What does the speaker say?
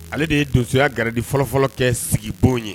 Ale de ye donsoya gariɛrɛdi fɔlɔfɔlɔ kɛ sigibon ye